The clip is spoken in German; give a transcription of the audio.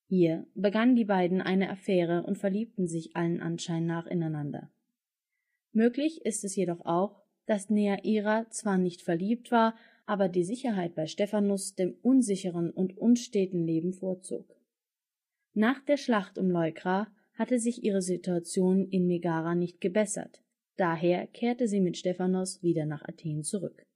Hier begannen die beiden eine Affäre und verliebten sich allem Anschein nach ineinander. Möglich ist jedoch auch, dass Neaira zwar nicht verliebt war, aber die Sicherheit bei Stephanos dem unsicheren und unsteten Leben vorzog. Auch nach der Schlacht von Leuktra hatte sich ihre Situation in Megara nicht gebessert, daher kehrte sie mit Stephanos wieder nach Athen zurück